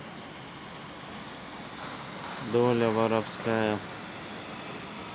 доля воровская